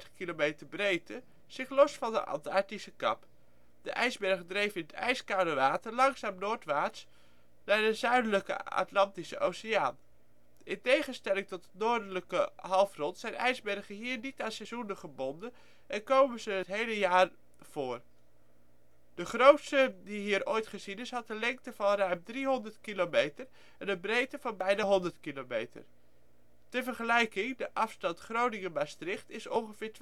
kilometer breedte zich los van de Antarctische kap. De ijsberg dreef in het ijskoude water langzaam noordwaarts naar de zuidelijke Atlantische Oceaan. In tegenstelling tot het Noordelijk Halfrond zijn ijsbergen hier niet aan seizoenen gebonden en komen ze het hele jaar voor. De grootste die hier ooit gezien is had een lengte van ruim 300 kilometer en een breedte van bijna 100 kilometer. Ter vergelijking: de afstand Groningen-Maastricht is ongeveer